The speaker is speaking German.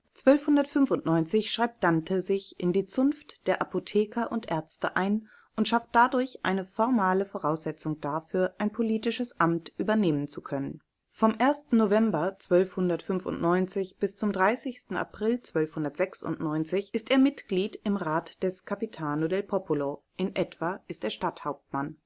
1295 schreibt Dante sich in der Zunft der Apotheker und Ärzte ein und schafft dadurch eine formale Voraussetzung dafür, ein politisches Amt übernehmen zu können. Vom 1. November 1295 bis zum 30. April 1296 ist er Mitglied im Rat des Capitano del Popolo (in etwa „ Stadthauptmann